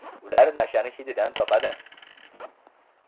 ular nashani hididan topadi